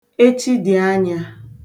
echidịanyā